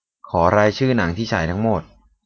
ขอรายชื่อหนังที่ฉายทั้งหมด